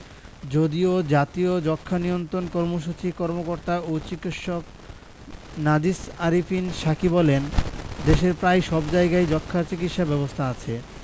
যদিও জাতীয় যক্ষ্মা নিয়ন্ত্রণ কর্মসূচির কর্মকর্তা ও চিকিৎসক নাজিস আরেফিন সাকী বলেন দেশের প্রায় সব জায়গায় যক্ষ্মার চিকিৎসা ব্যবস্থা আছে